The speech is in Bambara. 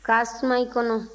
k'a suma i kɔnɔ